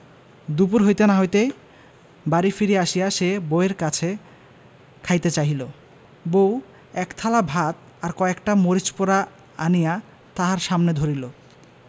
দুপুর হইতে না হইতেই বাড়ি ফিরিয়া আসিয়া সে বউ এর কাছে খাইতে চাহিল বউ একথালা ভাত আর কয়েকটা মরিচ পোড়া আনিয়া তাহার সামনে ধরিল